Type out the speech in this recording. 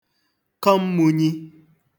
kọ mmūnyī